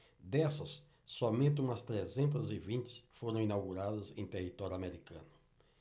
dessas somente umas trezentas e vinte foram inauguradas em território americano